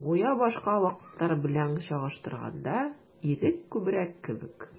Гүя башка вакытлар белән чагыштырганда, ирек күбрәк кебек.